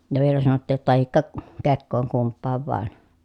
ja vielä sanottiin jotta tai kekoon kumpaan vain